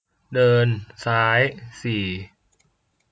เดินซ้ายสี่